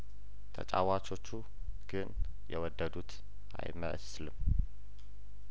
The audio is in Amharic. ተጫዋቾቹ ግን የወደዱት አይመስልም